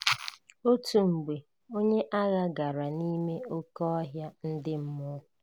Otu mgbe, onye agha gara n'ime oke ọhịa ndị mmụọ.